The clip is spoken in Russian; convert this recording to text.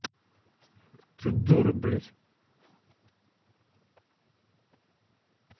ты дура блять